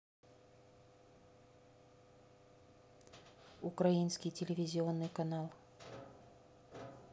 украинский телевизионный канал